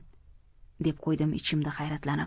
deb qo'ydim ichimda hayratlanib